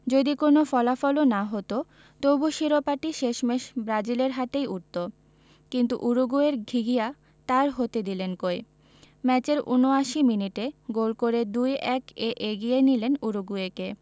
যদি কোনো ফলাফলও না হতো তবু শিরোপাটি শেষমেশ ব্রাজিলের হাতেই উঠত কিন্তু উরুগুয়ের ঘিঘিয়া তা আর হতে দিলেন কই ম্যাচের ৭৯ মিনিটে গোল করে ২ ১ এ এগিয়ে নিলেন উরুগুয়েকে